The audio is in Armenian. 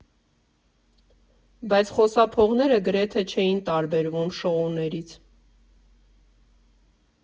Բաց խոսափողները գրեթե չէին տարբերվում շոուներից։